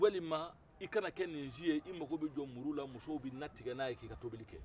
walima i kana kɛ nin si ye i mako bɛ jɔ muru la muso bɛ natigɛ n'a ye k'i ka tobili kɛ